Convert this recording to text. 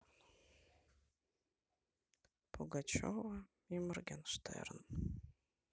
пугачева и моргенштерн